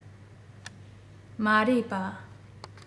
མ རེད པ